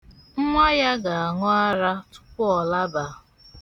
Nwa ya ga-aṅụ ara tupu ọ laba.